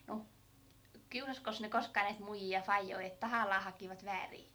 no kiusasikos ne koskaan näitä muijia ja faijoja että tahallaan hakivat väärin